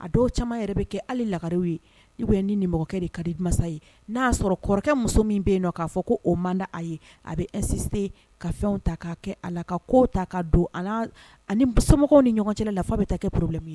A dɔw caman yɛrɛ bɛ kɛ hali lagarew ye ou bien ni nimɔgɔkɛ de kadi mansa ye n'a y'a sɔrɔ kɔrɔkɛ muso min bɛ yen k'a fɔ ko o man di a ye a bɛ insisté ka fɛnw ta k'a kɛ a la ka ko ta ka don a n'a, a ni somɔgɔw ni ɲɔgɔncɛla la f'a bɛ ta kɛ problème ye